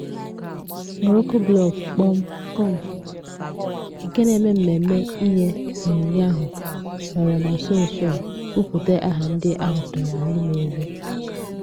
MoroccoBlogs.com, nke na-eme mmemme inye onyinye ahụ, nọrọ na nso nso a kwupụta aha ndị a họpụtara na ndị meriri